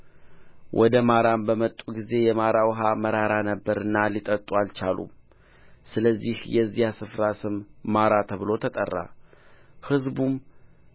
ወደ ማራም በመጡ ጊዜ የማራ ውኃ መራራ ነበረና ሊጠጡ አልቻሉም ስለዚህ የዚያ ስፍራ ስም ማራ ተብሎ ተጠራ ሕዝቡም